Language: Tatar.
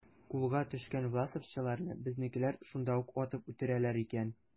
Кулга төшкән власовчыларны безнекеләр шунда ук атып үтерәләр икән.